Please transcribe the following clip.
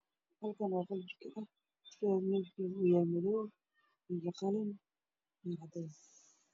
Meeshaan waa qori jika ah waxaana ku dhex jiro iyo caddaanna madow